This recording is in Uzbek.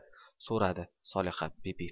so'radi solihabibi